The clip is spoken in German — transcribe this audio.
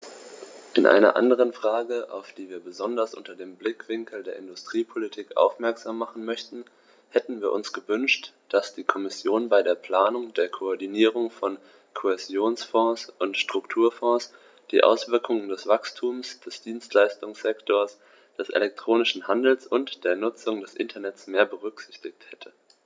In einer anderen Frage, auf die wir besonders unter dem Blickwinkel der Industriepolitik aufmerksam machen möchten, hätten wir uns gewünscht, dass die Kommission bei der Planung der Koordinierung von Kohäsionsfonds und Strukturfonds die Auswirkungen des Wachstums des Dienstleistungssektors, des elektronischen Handels und der Nutzung des Internets mehr berücksichtigt hätte.